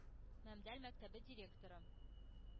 Мәмдәл мәктәбе директоры: